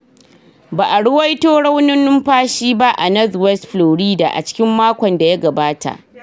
Ba a ruwaito raunin numfashi ba a Northwest Florida a cikin makon da ya gabata.